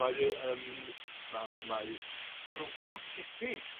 mae yy yym ma' wy- mae grwpia' tebyg